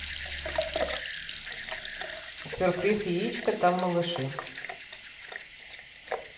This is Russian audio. сюрприз яичко там малыши